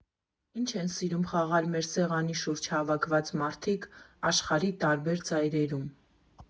Ինչեր են սիրում խաղալ մի սեղանի շուրջ հավաքված մարդիկ աշխարհի տարբեր ծայրերում։